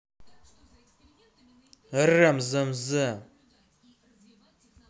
арам зам зам